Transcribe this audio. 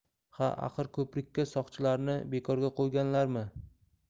ha axir ko'prikka soqchilarni bekorga qo'yganlarmi